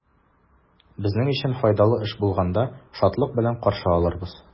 Безнең өчен файдалы эш булганда, шатлык белән каршы алырбыз.